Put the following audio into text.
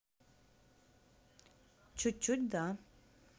чучуть да